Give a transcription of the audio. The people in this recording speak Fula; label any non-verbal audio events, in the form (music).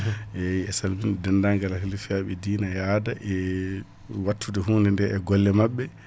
eyyi e calminde dennagal haaguillaji dine e aada (hesitation) wattude hudede e golle mabɓe